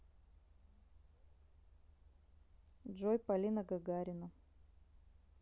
джой полина гагарина